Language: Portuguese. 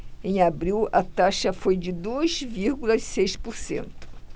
em abril a taxa foi de dois vírgula seis por cento